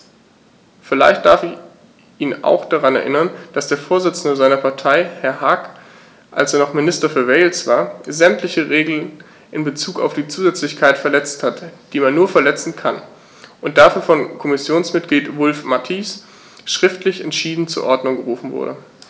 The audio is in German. Vielleicht darf ich ihn auch daran erinnern, dass der Vorsitzende seiner Partei, Herr Hague, als er noch Minister für Wales war, sämtliche Regeln in Bezug auf die Zusätzlichkeit verletzt hat, die man nur verletzen kann, und dafür von Kommissionsmitglied Wulf-Mathies schriftlich entschieden zur Ordnung gerufen wurde.